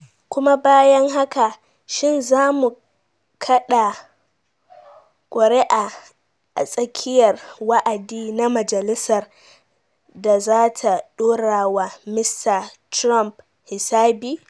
Kuma bayan haka, shin za mu kaɗa kuri’a a tsakiyar wa’adi na Majalisar da za ta ɗora wa Mista Trump hisabi?